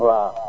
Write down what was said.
waaw